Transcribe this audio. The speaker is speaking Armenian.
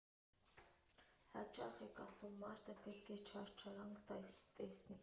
Հաճախ եք ասում՝ մարդը պետք է չարչարանք տեսնի։